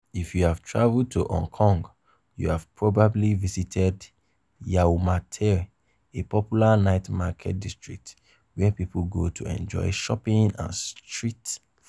If you have traveled to Hong Kong, you have probably visited Yau Ma Tei, a popular night market district where people go to enjoy shopping and street food.